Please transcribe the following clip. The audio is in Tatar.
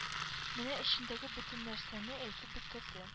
Менә эчендәге бөтен нәрсәне әйтеп бетерде